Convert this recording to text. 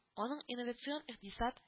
Аның инновацион икътисад